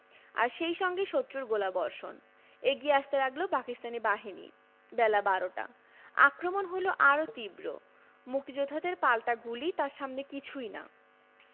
আর সেই সঙ্গে শত্রুর গোলাবর্ষণ এগিয়ে আসতে লাগল পাকিস্তানি বাহিনী বেলা বারোটা আক্রমণ হলো আরও তীব্র মুক্তিযোদ্ধাদের পাল্টা গুলি তার সামনে কিছুই না